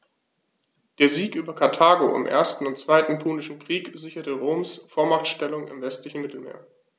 Der Sieg über Karthago im 1. und 2. Punischen Krieg sicherte Roms Vormachtstellung im westlichen Mittelmeer.